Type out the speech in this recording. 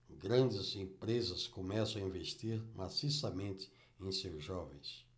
grandes empresas começam a investir maciçamente em seus jovens